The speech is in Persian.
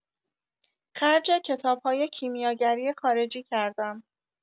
خرج کتاب‌های کیمیاگری خارجی کردم.